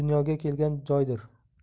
dunyoga kelgan joydir